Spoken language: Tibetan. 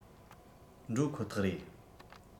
འགྲོ ཁོ ཐག རེད